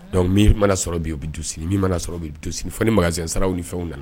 Min mana sɔrɔ yen u bɛ dususiri min donsiri ni makan sararaww ni fɛnw la